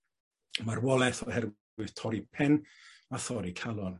marwoleth oher-wydd torri pen a thorri calon.